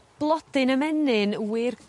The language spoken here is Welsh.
Blodyn ymenyn wir